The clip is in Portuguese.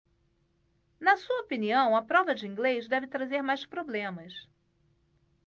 na sua opinião a prova de inglês deve trazer mais problemas